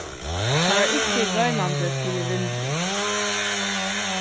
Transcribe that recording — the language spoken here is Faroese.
tað var ikki roynandi fyri vindi